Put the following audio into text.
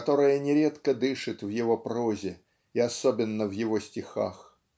которая нередко дышит в его прозе и особенно в его стихах.